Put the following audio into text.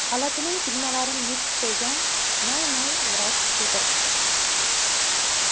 xalatining tugmalarini yechib qo'ygan naynov vrach o'tiribdi